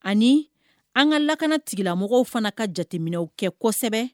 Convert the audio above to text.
Ani an ka lakana tigilamɔgɔw fana ka jateminɛw kɛ kosɛbɛ